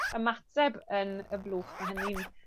ymateb yn y blwch, ma' hynny'n